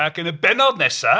Ac yn y bennod nesa.